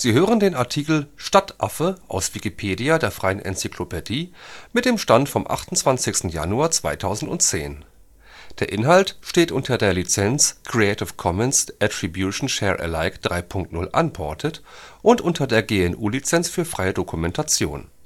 hören den Artikel Stadtaffe, aus Wikipedia, der freien Enzyklopädie. Mit dem Stand vom Der Inhalt steht unter der Lizenz Creative Commons Attribution Share Alike 3 Punkt 0 Unported und unter der GNU Lizenz für freie Dokumentation